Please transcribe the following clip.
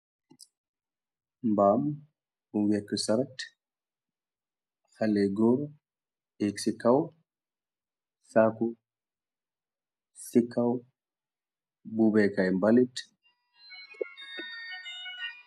Mbaam bu wekk sarèt, haley goor egg ci kaw saku ci kaw bu bèkaay mbalit.